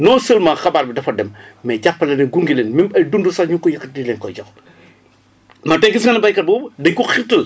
non seulement xabaar bi dafa dem mais jàppale leen gunge leen même ay dund sax ñu ngi koy di leen koy jox man tey gis naa ne béykat boobu dañ ko xiirtal